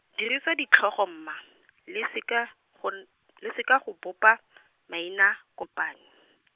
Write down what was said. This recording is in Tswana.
dirisa ditlhogo mma, le se ka, go n-, le seka go bopa , maina, kopani.